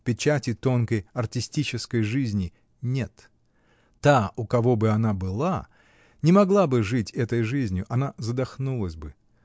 Печати тонкой, артистической жизни нет: та, у кого бы она была, не могла бы жить этой жизнью: она задохнулась бы.